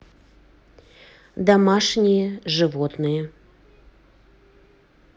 домашние животные